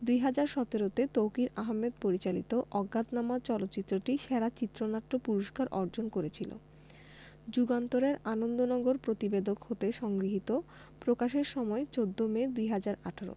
২০১৭ তে তৌকীর আহমেদ পরিচালিত অজ্ঞাতনামা চলচ্চিত্রটি সেরা চিত্রনাট্য পুরস্কার অর্জন করেছিল যুগান্তর এর আনন্দনগর প্রতিবেদক হতে সংগৃহীত প্রকাশের সময় ১৪ মে ২০১৮